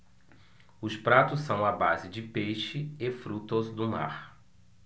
os pratos são à base de peixe e frutos do mar